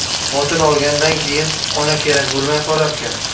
xotin olgandan keyin ona kerak bo'lmay qolarkan